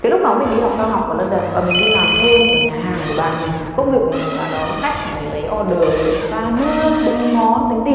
cái lúc đó mình đi học cao học ở london và mình đi làm thêm ở nhà hàng của bạn mình công việc của mình là đón khách này lấy order này pha nước bưng món tính tiền